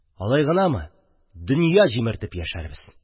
Алай гынамы, донъя җимертеп яшәрбез!»